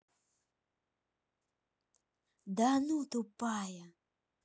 да ну тупая